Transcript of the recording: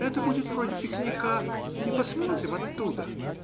Это будет вроде пикника. И посмотрим оттуда.